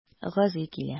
Гази килә.